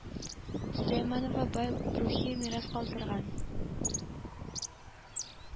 Сөләйманова бай рухи мирас калдырган